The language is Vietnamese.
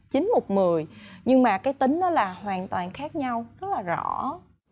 chín một mười nhưng mà cái tính đó là hoàn toàn khác nhau rất là rõ